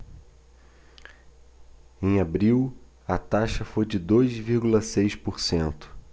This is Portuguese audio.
em abril a taxa foi de dois vírgula seis por cento